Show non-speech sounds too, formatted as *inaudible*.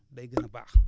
day gën a *noise* baax